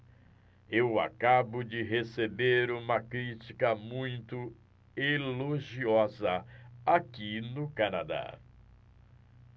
eu acabo de receber uma crítica muito elogiosa aqui no canadá